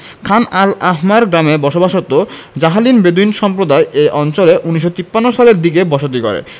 খান al Ahmar গ্রামে বসবাসরত Jahalin Bedouin সম্প্রদায় এই অঞ্চলে ১৯৫৩ সালের দিকে বসতি গড়ে